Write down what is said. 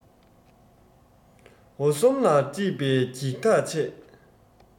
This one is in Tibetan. འོ ཟོམ ལ དཀྲིས པའི སྒྱིད ཐག བཅས